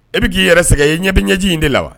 E bɛ k'i yɛrɛ sɛgɛn i ɲɛ bɛ ɲɛji in de la wa